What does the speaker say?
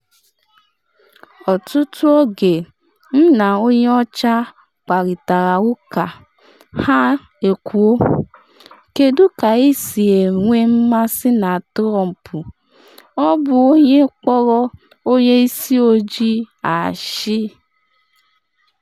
“Ọtụtụ oge m na onye ọcha kparịtara ụka, ha ekwuo: “Kedu ka isi nwee mmasị na Trump, ọ bụ onye kpọrọ onye isi ojii asị?”